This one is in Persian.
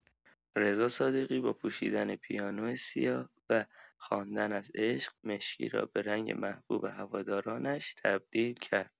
رضا صادقی با پوشیدن پیانو سیاه و خواندن از عشق، مشکی را به رنگ محبوب هوادارانش تبدیل کرد.